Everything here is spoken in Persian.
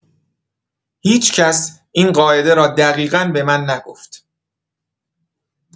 هیچ‌کس این قاعده را دقیقا به من نگفت.